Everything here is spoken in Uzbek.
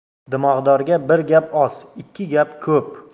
dimog'dorga bir gap oz ikki gap ko'p